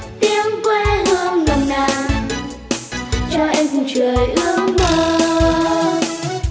tiếng quê hương nồng nàn cho em khung trời ước mơ